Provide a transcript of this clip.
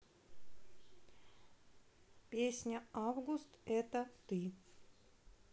песня август это ты